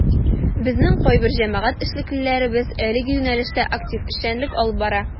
Безнең кайбер җәмәгать эшлеклеләребез әлеге юнәлештә актив эшчәнлек алып бара.